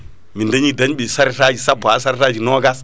min dañi dañɓe charette taji sappo ha charette taji nogas